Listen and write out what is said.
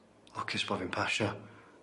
Lwcus bo' fi'n pasio.